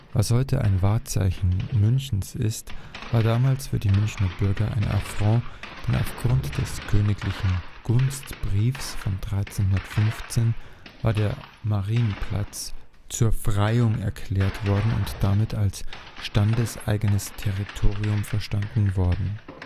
Was heute ein Wahrzeichen Münchens ist, war damals für die Münchner Bürger ein Affront, denn aufgrund des königlichen Gunstbriefs von 1315 war der Marienplatz zur " Freiung " erklärt worden und damit als stadteigenes Territorium verstanden worden